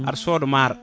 aɗa sooda maaro